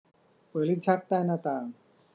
เปิดลิ้นชักใต้หน้าต่าง